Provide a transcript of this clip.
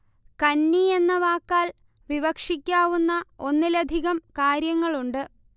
കന്നി എന്ന വാക്കാൽ വിവക്ഷിക്കാവുന്ന ഒന്നിലധികം കാര്യങ്ങളുണ്ട്